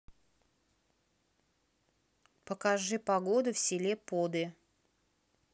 покажи погоду в селе поды